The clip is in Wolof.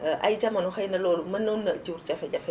ay jamono xëy na mënoon na jur jafe-jafe